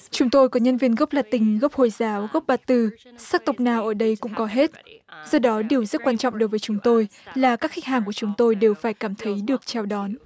chúng tôi có nhân viên gốc la tinh gốc hồi giáo gốc ba tư sắc tộc nào ở đây cũng có hết do đó điều rất quan trọng đối với chúng tôi là các khách hàng của chúng tôi đều phải cảm thấy được chào đón